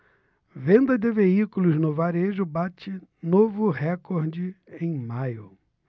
venda de veículos no varejo bate novo recorde em maio